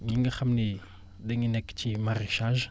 ñi nga xam ni dañu nekk ci maraîchage